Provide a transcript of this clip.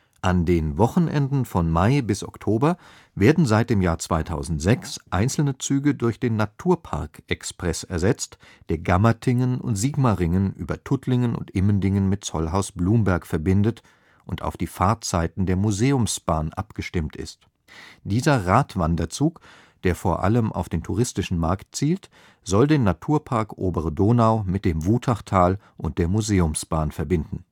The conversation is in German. An den Wochenenden von Mai bis Oktober werden seit dem Jahr 2006 einzelne Ringzüge durch den Naturpark-Express ersetzt, der Gammertingen und Sigmaringen über Tuttlingen und Immendingen mit Zollhaus-Blumberg verbindet und auf die Fahrtzeiten der Museumsbahn abgestimmt ist. Dieser Radwanderzug, der vor allem auf den touristischen Markt zielt, soll den Naturpark Obere Donau mit dem Wutachtal und der Museumsbahn verbinden